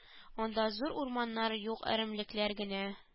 Анда зур урманнар юк әрәмәлекләр генә